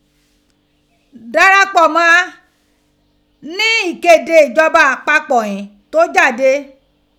Darapọ mọ gha ni ikede ijọba apapọ ghin to jade.